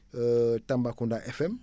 Tambacounda FM